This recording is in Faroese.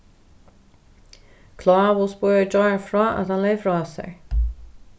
klávus boðaði í gjár frá at hann legði frá sær